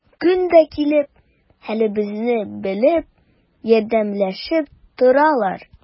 Көн дә килеп, хәлебезне белеп, ярдәмләшеп торалар.